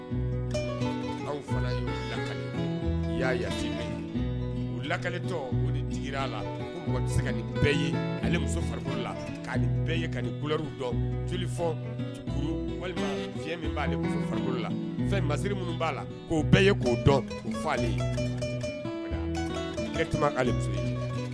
Aw fana y'a lakale la tɛ bɛɛ ye ale muso la k'ale bɛɛ ye dɔn walima fi b'aale muso fari la fɛn masiriri minnu b'a la k'o bɛɛ ye k'o dɔn e tunale